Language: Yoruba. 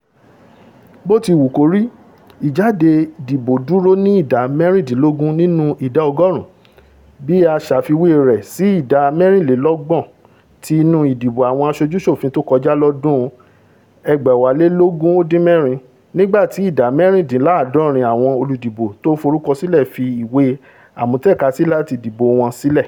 Bó ti wù kórí, ìjáde-dìbò dúró ní ìdá mẹ́rìndínlógún nínú ìdá ọgọ́ọ̀run, bí a ṣafiwé rẹ̀ sì ìdá mẹ́rìnlélọ́gbọ̀n ti inú ìdìbò àwọn aṣojú-ṣòfin tókọjá lọ́dún 2016 nígbàti ìdá mẹ́rìndíńlá́àádọ́rin àwọn olùdìbò tó forúkọ sílẹ̀ fi ìwé àmútẹkasí láti dìbo wọn sílẹ̀.